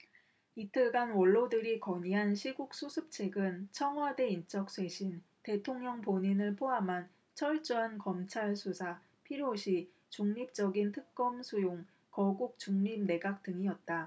이틀간 원로들이 건의한 시국수습책은 청와대 인적 쇄신 대통령 본인을 포함한 철저한 검찰 수사 필요시 중립적인 특검 수용 거국중립내각 등이었다